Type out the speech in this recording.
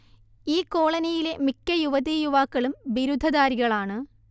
ഈ കോളനിയിലെ മിക്ക യുവതിയുവാക്കളും ബിരുദധാരികളാണ്